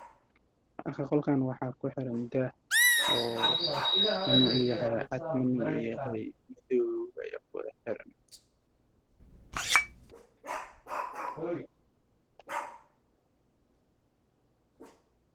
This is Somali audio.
Waa ku teel midabkiisa waa caddaan iyo madoow